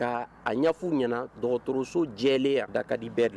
Ka af ɲɛna dɔgɔtɔrɔroso jɛlen a da ka di bɛɛ dilan